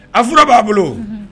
A fura b'a bolo